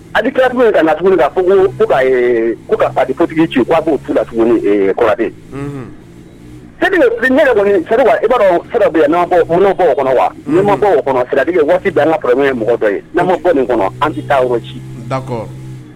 A kira tun ka na tuguni kan ko ka fatigi ci u k' b' la tuguni kɔni i b'a dɔ kɔnɔ wa ne ma kɔnɔ siratigi waati bila ye mɔgɔ dɔ ye n'a ma kɔnɔ an taa ci